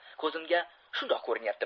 ko'zimga shundoq ko'rinyaptimi